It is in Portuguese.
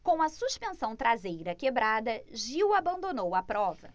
com a suspensão traseira quebrada gil abandonou a prova